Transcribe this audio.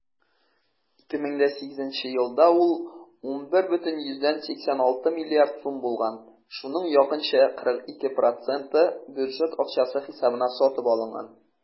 2008 елда ул 11,86 млрд. сум булган, шуның якынча 42 % бюджет акчасы хисабына сатып алынган.